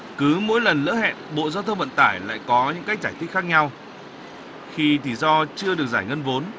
cứ mỗi lần lỡ hẹn bộ giao thông vận tải lại có những cách giải thích khác nhau khi thì do chưa được giải ngân vốn